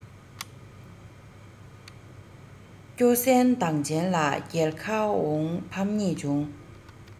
སྐྱོ སན དང ཅན ལ རྒྱལ ཁ འོང ཕམ ཉེས བྱུང